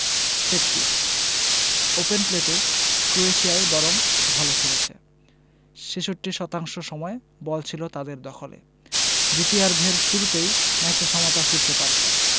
set piece open প্লেতে ক্রোয়েশিয়াই বরং ভালো খেলেছে ৬৬ শতাংশ সময় বল ছিল তাদের দখলে দ্বিতীয়ার্ধের শুরুতেই ম্যাচে সমতা ফিরতে পারত